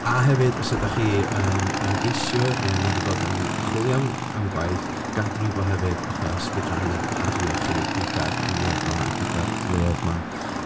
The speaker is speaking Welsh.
A hefyd, os ydach chi yn ymgeisiwr neu yn mynd i fod yn chwilio am am gwaith gad i ni wbod hefyd achos fedrwn ni pario chi gyda'r cwmnioedd 'ma a gyda'r cyfleoedd 'ma.